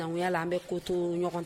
y'a la an bɛ ko to ɲɔgɔn ta